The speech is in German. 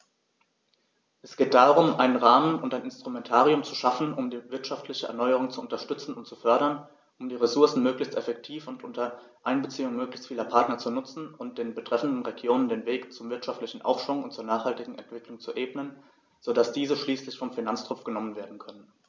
Es geht darum, einen Rahmen und ein Instrumentarium zu schaffen, um die wirtschaftliche Erneuerung zu unterstützen und zu fördern, um die Ressourcen möglichst effektiv und unter Einbeziehung möglichst vieler Partner zu nutzen und den betreffenden Regionen den Weg zum wirtschaftlichen Aufschwung und zur nachhaltigen Entwicklung zu ebnen, so dass diese schließlich vom Finanztropf genommen werden können.